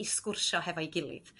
i sgwrsio hefo'i gilydd